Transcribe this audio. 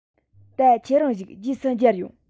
ད ཁྱེད རང བཞུགས རྗེས སུ མཇལ ཡོང